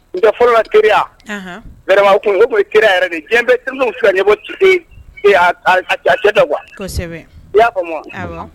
N'ɔ tɛ fɔlɔ la teriya, unhan, vraiment o kun, o kun ye teriya yɛrɛ de ye. diɲɛbɛ teri musow kun te se ka ɲɛbɔ, e e a a a cɛ fɛ quoi kosɛbɛ, i y'a famun wa? Awɔ!